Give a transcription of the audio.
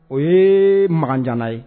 O ye mankan janana ye